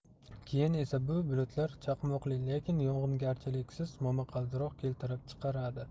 keyin esa bu bulutlar chaqmoqli lekin yog'ingarchiliksiz momaqaldiroq keltirib chiqaradi